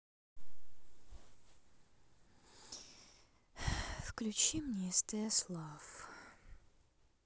включи мне стс лав